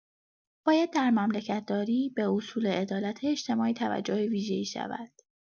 باید در مملکت‌داری به اصول عدالت اجتماعی توجه ویژه‌ای شود.